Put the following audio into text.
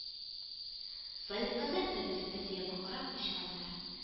Саесканнар төрлесе-төрле якка карап очканнар